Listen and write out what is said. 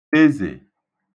ezè